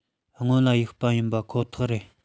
སྔོན ལ གཡུག པ ཡིན པ ཁོ ཐག རེད